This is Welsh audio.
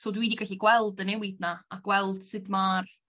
So dwi 'di gallu gweld y newid 'na a gweld sut ma'r